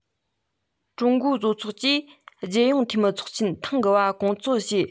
ཀྲུང གོའི བཟོ ཚོགས ཀྱི རྒྱལ ཡོངས འཐུས མིའི ཚོགས ཆེན ཐེངས དགུ པ སྐོང འཚོག བྱས